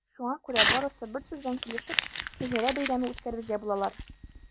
Шуңа күрә барысы берсүздән килешеп “Шәҗәрә бәйрәме” үткәрергә булалар.